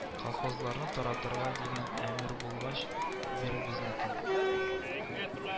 Колхозларны таратырга дигән әмер булгач, бер безнекен